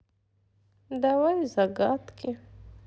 давай загадки